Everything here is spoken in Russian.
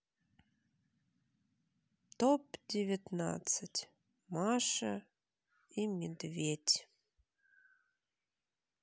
топ девятнадцать маша и медведь